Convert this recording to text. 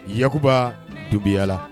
Yakuba Dunbiyala